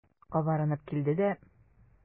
Кабарынып килде дә.